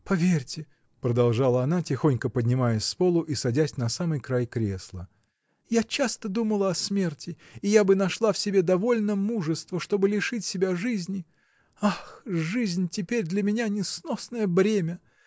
Поверьте, -- продолжала она, тихонько поднимаясь с полу и садясь на самый край кресла, -- я часто думала о смерти, и я бы нашла в себе довольно мужества, чтобы лишить себя жизни -- ах, жизнь теперь для меня несносное бремя!